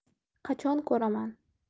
qachon ko'raman